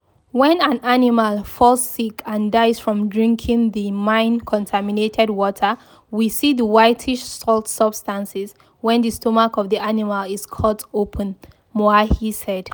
“When an animal falls sick and dies from drinking the mine-contaminated water, we see the whitish salt substances when the stomach of the animal is cut open,” Moahi said.